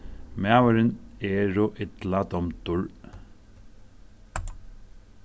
maðurin eru illa dámdur